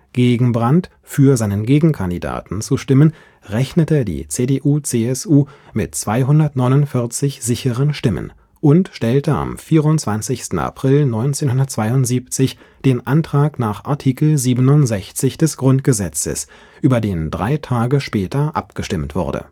gegen Brandt für seinen Gegenkandidaten zu stimmen, rechnete die CDU/CSU mit 249 sicheren Stimmen und stellte am 24. April 1972 den Antrag nach Artikel 67 des Grundgesetzes, über den drei Tage später abgestimmt wurde